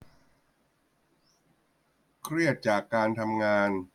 เครียดจากการทำงาน